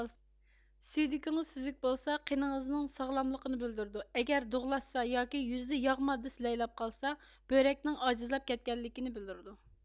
سۈيدۈكىڭىز سۈزۈك بولسا قېنىڭىزنىڭ ساغلاملىقنى بىلدۈرىدۇ ئەگەر دۇغلاشسا ياكى يۈزىدە ياغ ماددىسى لەيلەپ قالسا بۆرەكنىڭ ئاجىزلاپ كەتكەنلىكىنى بىلدۈرىدۇ